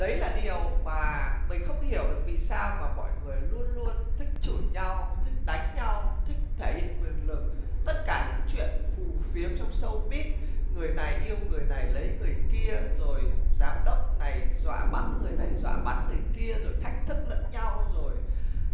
đấy là điều mà mình không hiểu được vì sao mà mọi người luôn luôn thích chửi nhau thích đánh nhau thích thể hiện quyền lực tất cả những chuyện phù phiếm trong sâu bít người này yêu người này lấy người kia rồi giám đốc này dọa bắn người này dọa bắn người kia rồi thách thức lẫn nhau rồi